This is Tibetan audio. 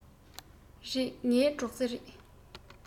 རེད འདི ངའི སྒྲོག རྩེ རེད